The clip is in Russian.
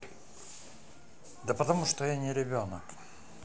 да потому что я не ребенок